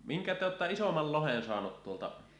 minkä te olette isomman lohen saanut tuolta